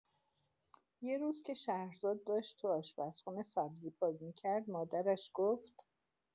یه روز که شهرزاد داشت تو آشپزخونه سبزی پاک می‌کرد، مادرش گفت: